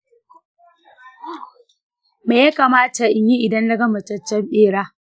me ya kamata in yi idan na ga mataccen bera?